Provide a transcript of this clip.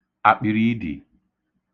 àkpị̀rìidè